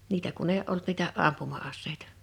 niitä kun ei ollut niitä ampuma-aseita